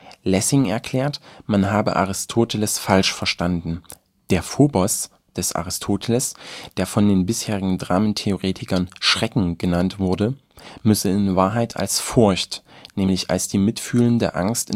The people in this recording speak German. Lessing erklärt, man habe Aristoteles falsch verstanden, der „ phobos “des Aristoteles, der von den bisherigen Dramentheoretikern „ Schrecken “genannt werde, müsse in Wahrheit als Furcht, nämlich als die mitfühlende Angst